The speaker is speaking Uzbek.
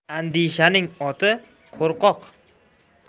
andishaning oti qo'rqoq